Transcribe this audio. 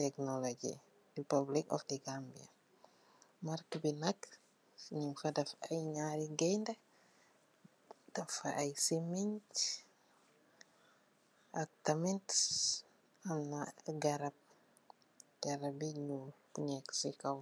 technology Republic of The Gambia. Mark bi nak ñung fa def ay ñari gaideh, teg fa ay semeñ ak tamit hamna ak garapp, garappi nñul bu nekk si kaw.